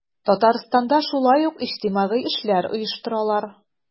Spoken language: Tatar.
Татарстанда шулай ук иҗтимагый эшләр оештыралар.